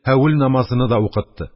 Һәүл намазыны да укытты.